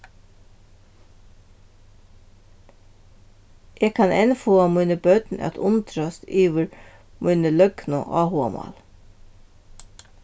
eg kann enn fáa míni børn at undrast yvir míni løgnu áhugamál